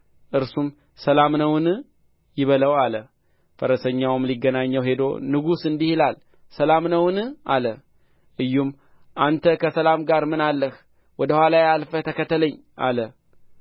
እርሱም ሰላም ነውን ይበለው አለ ፈረሰኛውም ሊገናኘው ሄዶ ንጉሡ እንዲህ ይላል ሰላም ነውን አለ ኢዩም አንተ ከሰላም ጋር ምን አለህ ወደ ኋላዬ አልፈህ ተከተለኝ አለ